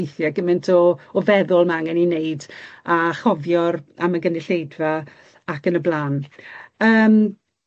weithie gymint o o feddwl ma' angen 'i neud a chofio'r am y gynulleidfa ac yn y bla'n. Yym.